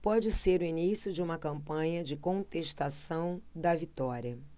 pode ser o início de uma campanha de contestação da vitória